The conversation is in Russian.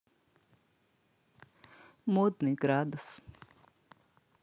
модный градус